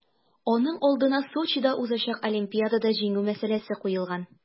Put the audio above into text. Аның алдына Сочида узачак Олимпиадада җиңү мәсьәләсе куелган.